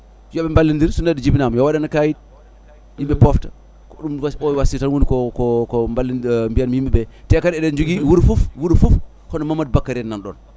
yooɓe ballodir so jibinama yo waɗane kayit yimɓe pofta ko ɗum wasiko o waisya tan woni ko ko ko ballodi mbiyanmi yimɓeɓe teede kadi eɗen jogui wuuro foof wuuro foof hono Mamadou Bakary en nanɗon